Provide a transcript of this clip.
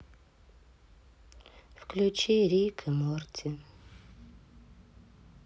включи рик и морти